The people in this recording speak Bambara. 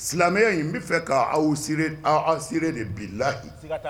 Silamɛya in n bɛ fɛ k'aw a a seere de bilahi; Siga t'a la.